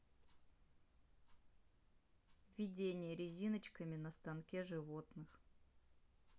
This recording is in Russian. видение резиночками на станке животных